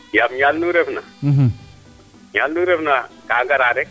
yaam ñaal nu ref na ñaal nu refna kaa ngara rek